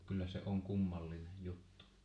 kyllä se on kummallinen juttu